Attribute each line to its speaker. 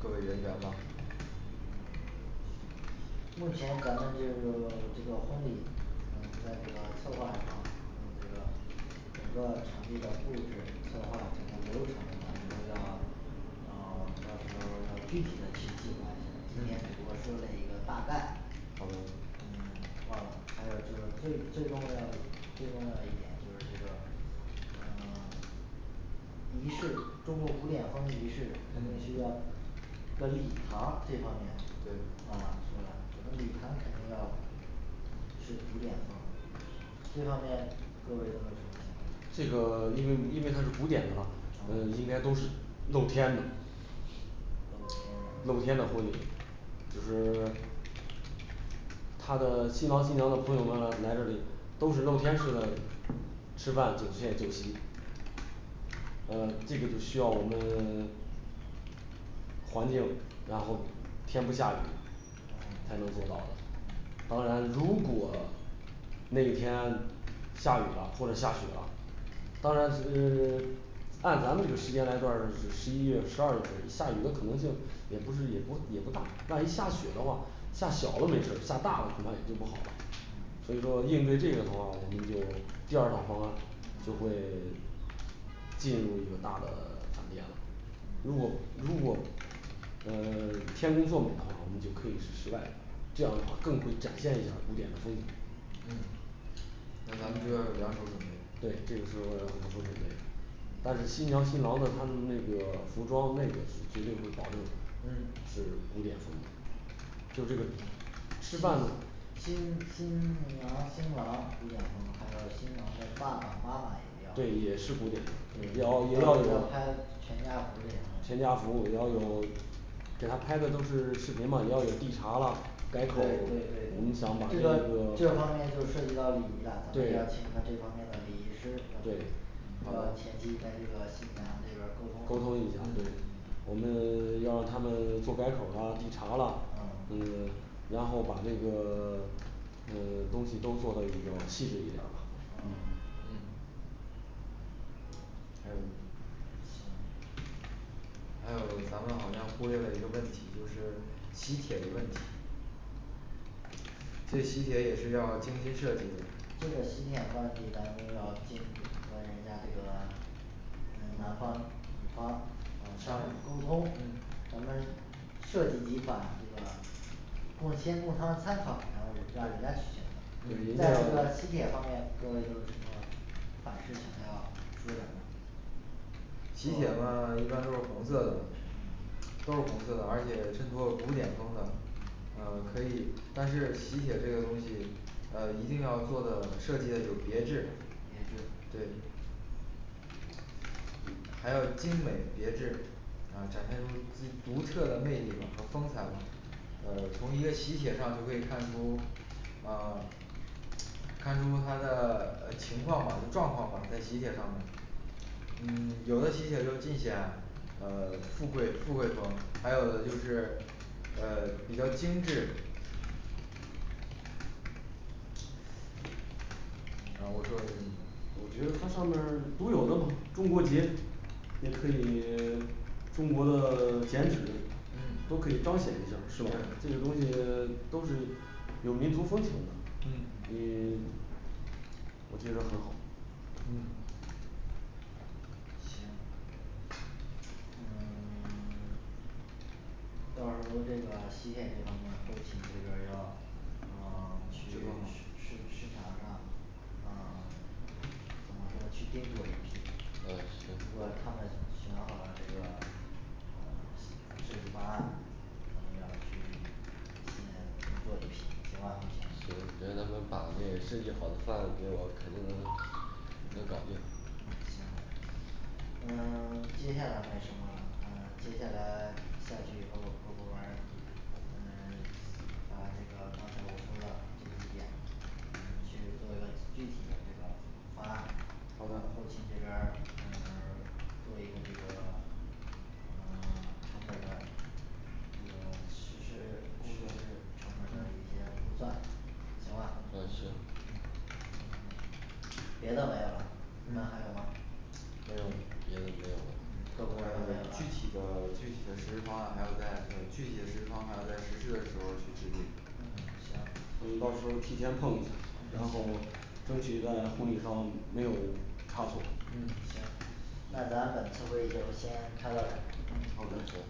Speaker 1: 各位人员吧
Speaker 2: 目前咱们这个 这个婚礼嗯再这个策划两档嗯这个整个场地的布置策划整个流程啊一定要啊做成个具体的体系吧今年只不过说了一个大概
Speaker 3: 好的
Speaker 2: 嗯 啊还有就是最最重要的最重要的一点就是这个仪式中国古典风仪式，肯定
Speaker 1: 嗯
Speaker 2: 需要这个礼堂这方面
Speaker 1: 对
Speaker 2: 忘了说了咱们礼堂肯定要是古典风这方面各位都有什么想法儿
Speaker 3: 这个因为因为它是古典的吧嗯应该都是露天的
Speaker 2: 露天的
Speaker 3: 露天的婚礼就是他的新郎新娘的朋友们来这里都是露天式的吃饭酒菜酒席嗯这个就需要我们环境然后天不下雨
Speaker 2: 嗯
Speaker 3: 才能做到的当然如果那天下雨了或者下雪了当然是 按咱们这个时间来段是十一月十二份儿下雨的可能性也不是也不也不大万一下雪的话下小了没事下大了恐怕也就不好了
Speaker 2: 嗯
Speaker 3: 所以说应对这个的话我们就第二套方案就会
Speaker 1: 借用一个大的 场地啊
Speaker 3: 如果如果呃 天工作美的话我们就可以是室外这样的话更会展现一下古典的风景
Speaker 2: 嗯
Speaker 1: 那咱们这个两手准
Speaker 3: 对
Speaker 1: 备
Speaker 3: 这个是个两手准备但是新娘新郎的他们那个服装那个是绝对是保证
Speaker 2: 嗯
Speaker 3: 是古典风的就是这个吃饭呢
Speaker 2: 新新娘新郎古典风还得新娘的爸爸妈妈
Speaker 3: 对
Speaker 2: 也要
Speaker 3: 也是古典
Speaker 2: 对也到
Speaker 3: 有也
Speaker 2: 时候
Speaker 3: 要有
Speaker 2: 儿要拍全家福儿这样
Speaker 3: 全家福也要有给他拍的都是视频吗也要有递茶了改
Speaker 2: 对对
Speaker 3: 口儿
Speaker 2: 对
Speaker 3: 你
Speaker 2: 对对
Speaker 3: 想把那
Speaker 2: 对这
Speaker 3: 个
Speaker 2: 个这方面就涉及到礼仪啦咱们要
Speaker 3: 对
Speaker 2: 请他这方面的礼仪师
Speaker 3: 对
Speaker 2: 呃前期在这个新娘这边沟通
Speaker 3: 沟通一下对
Speaker 2: 嗯
Speaker 3: 我们 要让他们做改口儿啦递茶啦
Speaker 2: 嗯
Speaker 3: 嗯然后把那个嗯 东西都做的比较细致一点儿吧
Speaker 2: 嗯嗯
Speaker 1: 还有还有咱们好像忽略了一个问题就是喜帖的问题这个喜帖也是要精心设计的
Speaker 2: 这个喜帖的问题咱们要经和人家这个嗯男方女方相互沟通
Speaker 1: 嗯
Speaker 2: 咱们设计几款这个供先供他们参考然后人让人家来选择
Speaker 3: 捋一下
Speaker 2: 在这个喜帖方面各位都有什么款式想要说的呢
Speaker 1: 喜帖吧一般都是红色的都是红色的而且衬托古典风的嗯可以但是喜帖这个东西嗯一定要做的设计的有别致
Speaker 2: 别致
Speaker 1: 对还要精美别致啊展现出内独特的魅力和和风采嘛呃从一个喜帖上都可以看出啊看出他的呃情况嘛状况嘛在喜帖上面嗯有的喜帖就尽显呃富贵富贵风还有的就是呃比较精致
Speaker 2: 啊我就
Speaker 3: 我觉得它上面儿都有那么中国结也可以 中国的 剪纸都
Speaker 1: 嗯
Speaker 3: 可以彰显一下儿是吧这些
Speaker 1: 对
Speaker 3: 东西都是有民族风情的
Speaker 1: 嗯
Speaker 3: 你 我觉得很好
Speaker 1: 嗯
Speaker 2: 行嗯 到时候的这个喜帖这方面后勤这边儿要呃 去
Speaker 1: 这个吗
Speaker 2: 市市市场上嗯 怎么说去定做一批
Speaker 1: 嗯行
Speaker 2: 如果他们选好了这个呃是设计方案咱们要去先定做一批行吧后勤
Speaker 4: 你这能跟把内设计好的方案给我肯定能能搞定
Speaker 2: 嗯行嗯 接下来的什么嗯接下来下去以后各部门儿嗯 把那个刚才我说的这几点嗯去做一个具体的这个方案好的后勤这边儿嗯 做一个这个呃 成本儿的那个实施工作中成本儿的一些估算行吧
Speaker 4: 嗯，行
Speaker 2: 别的没有了你们
Speaker 1: 嗯
Speaker 2: 还有吗
Speaker 4: 没有
Speaker 1: 别的没有了
Speaker 2: 各部门儿都没
Speaker 1: 具体的
Speaker 2: 有啦
Speaker 1: 具体的实施方案还要在具体的实施方案还要在实施的时候儿去制定
Speaker 2: 嗯行嗯
Speaker 3: 我们到时候儿提前碰一下然后争取在婚礼上没有差错
Speaker 2: 嗯行那咱本次会议就先开到这
Speaker 1: 嗯
Speaker 2: 儿
Speaker 3: 嗯，
Speaker 1: 好，
Speaker 3: 行
Speaker 1: DE1